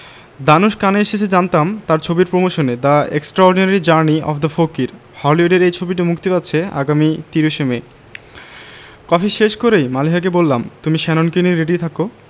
দানুশ কানে এসেছে জানতাম তার ছবির প্রমোশনে the extraordinary journey of the Fakir হলিউডের এই ছবিটি মুক্তি পাচ্ছে আগামী ৩০শে মে কফি শেষ করেই মালিহাকে বললাম তুমি শ্যাননকে নিয়ে রেডি থাকো